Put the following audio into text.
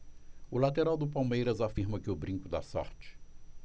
o lateral do palmeiras afirma que o brinco dá sorte